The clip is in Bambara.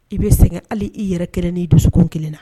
I bɛ sɛgɛn hali i yɛrɛ kelen n'i dusukun kelen na